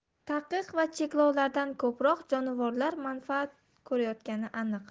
taqiq va cheklovlardan ko'proq jonivorlar manfaat ko'rayotgani aniq